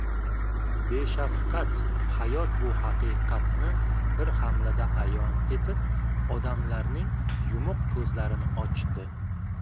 beshafqat hayot bu haqiqatni bir hamlada ayon etib odamlarning yumuq ko'zlarini ochdi